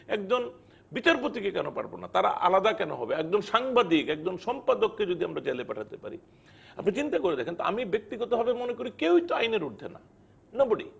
একজন বিচারপতিকে কেন পারব না তারা আলাদা কেন হবে একজন সাংবাদিক একজন সম্পাদককে জেলে পাঠাতে পারি আপনি চিন্তা করে দেখেন আমি ব্যক্তিগতভাবে মনে করি কিউত আইনের উর্ধ্বে না নো বডি